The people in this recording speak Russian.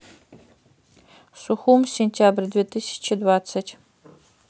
сухум сентябрь две тысячи двадцать